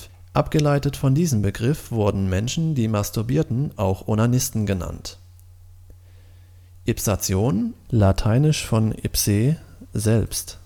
abgeleitet von diesem Begriff wurden Menschen, die masturbierten, auch Onanisten genannt. Ipsation (lateinisch von ipse „ selbst